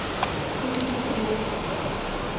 фильм секрет